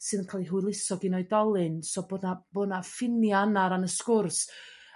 sydd yn ca'l 'i hwyluso gin oedolyn so bod 'na bo' 'na ffinia' 'na o ran y sgwrs.